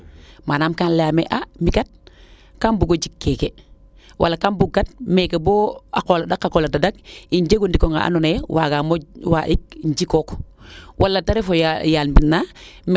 manaam kan leyaame a mi de kam bugo jik keeke wala kam bug kat meeke boo a qoola ɗak a qoola tadak im jego ndiko nga ando wagaamo wandik im jikook wala te ref yaal mbinaa